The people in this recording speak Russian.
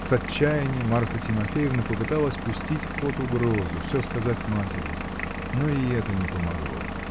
С отчаянья Марфа Тимофеевна попыталась пустить в ход угрозу: все сказать матери. но и это не помогло.